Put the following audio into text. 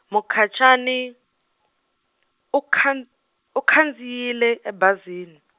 Mukhacani, u khan- u khandziyile ebazini.